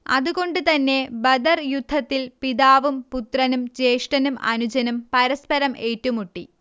അത് കൊണ്ട് തന്നെ ബദർ യുദ്ധത്തിൽ പിതാവും പുത്രനും ജ്യേഷ്ഠനും അനുജനും പരസ്പരം ഏറ്റുമുട്ടി